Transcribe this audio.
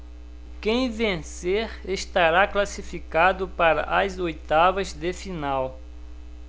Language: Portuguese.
quem vencer estará classificado para as oitavas de final